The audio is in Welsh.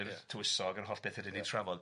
i'r tywysog a'r holl betha' dan ni'n trafod